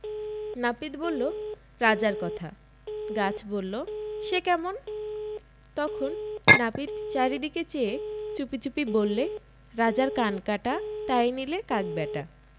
নাপিত বলল রাজার কথা গাছ বলল সে কেমন তখন নাপিত চারিদিকে চেয়ে চুপিচুপি বললে রাজার কান কাটা তাই নিলে কাক ব্যাটা